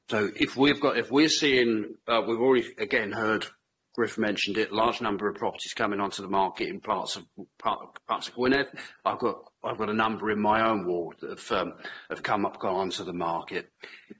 So if we've got, if we're seeing, uh, we've already again heard Griff mentioned it, large number of properties coming onto the market in parts of par- parts of Gwynedd, I've got, I've got a number in my own ward that have come up, gone onto the market.